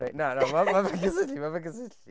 Reit na na ma' fe'n cysylltu ma' fe'n cysylltu.